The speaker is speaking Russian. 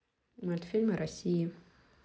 мультфильмы россии